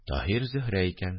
– «таһир-зөһрә» икән